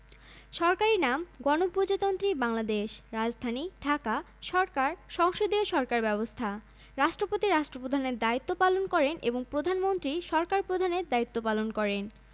বাংলাদেশ পরিচিতি বাংলাদেশ বাংলাদেশ পাকিস্তানের বিরুদ্ধে দীর্ঘ নয় মাস যুদ্ধের পর ১৯৭১ সালের ১৬ ডিসেম্বর একটি স্বাধীন রাষ্ট্র হিসেবে আত্মপ্রকাশ করে সংক্ষিপ্ত তথ্য